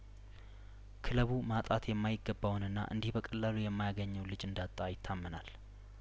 ክለቡ ማጣት የማይገባ ውንና እንዲህ በቀላሉ የማያገኘውን ልጅ እንዳጣ ይታመናል